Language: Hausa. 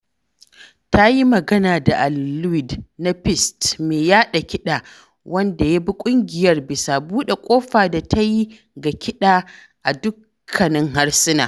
Ta yi magana da Alun Liwyd na PYST mai yaɗa kiɗa, wanda ya yabi ƙungiyar bisa buɗe ƙofar da ta yi ga kiɗa a dukkanin harsuna.